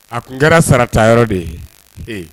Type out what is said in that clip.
A tun kɛra sarata yɔrɔ de ye ee